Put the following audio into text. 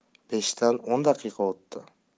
beshdan o'n daqiqa o'tdi